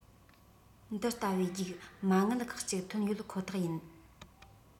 འདི ལྟ བུའི རྒྱུག མ དངུལ ཁག གཅིག ཐོན ཡོད ཁོ ཐག ཡིན